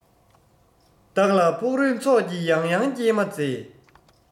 བདག ལ ཕུག རོན གྱི ཚོགས ཀྱིས ཡང ཡང སྐྱེལ མ མཛད